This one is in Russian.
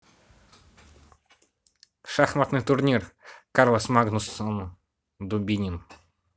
шахматный турнир карлос магнусом дубинин